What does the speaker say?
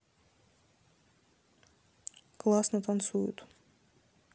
классно танцуют